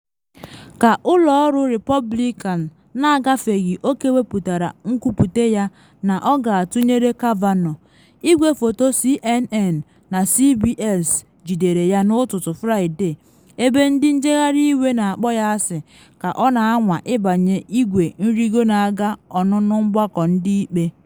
Ka ụlọ ọrụ Repọblikan na agafeghị oke wepụtara nkwupute ya na ọ ga-atụnyeere Kavanaugh, igwefoto CNN na CBS jidere ya n’ụtụtụ Fraịde ebe ndị njegharị iwe na akpọ ya asị ka ọ na anwa ịbanye igwe nrigo na aga ọnụnụ Mgbakọ Ndị Ikpe.